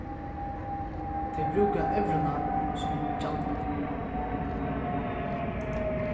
tey brúka evruna sum gjaldoyra